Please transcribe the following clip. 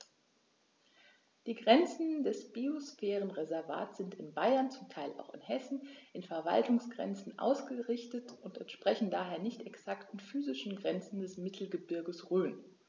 Die Grenzen des Biosphärenreservates sind in Bayern, zum Teil auch in Hessen, an Verwaltungsgrenzen ausgerichtet und entsprechen daher nicht exakten physischen Grenzen des Mittelgebirges Rhön.